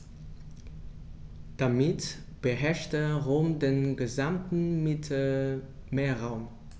Damit beherrschte Rom den gesamten Mittelmeerraum.